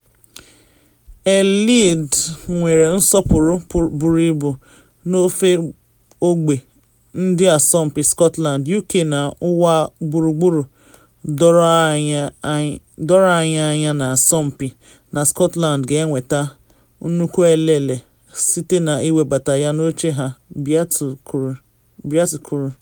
“Eilidh nwere nsọpụrụ buru ibu n’ofe ogbe ndị asọmpi Scotland, UK na ụwa gburugburu, doro anyị anya na asọmpi na Scotland ga-enweta nnukwu elele site na ịwebata ya n’oche ha,” Beattie kwuru.